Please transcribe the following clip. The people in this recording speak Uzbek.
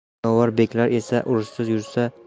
jangovar beklar esa urushsiz yursa